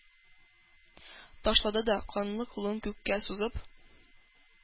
Ташлады да, канлы кулын күккә сузып,